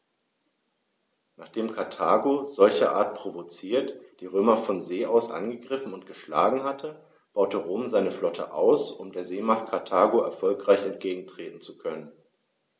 Nachdem Karthago, solcherart provoziert, die Römer von See aus angegriffen und geschlagen hatte, baute Rom seine Flotte aus, um der Seemacht Karthago erfolgreich entgegentreten zu können.